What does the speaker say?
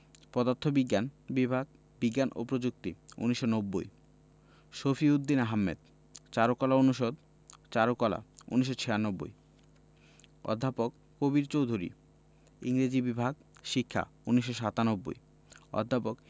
পদার্থবিজ্ঞান বিভাগ বিজ্ঞান ও প্রযুক্তি ১৯৯০ শফিউদ্দীন আহমেদ চারুকলা অনুষদ চারুকলা ১৯৯৬ অধ্যাপক কবীর চৌধুরী ইংরেজি বিভাগ শিক্ষা ১৯৯৭ অধ্যাপক